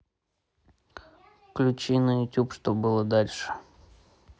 включи на ютубе что было дальше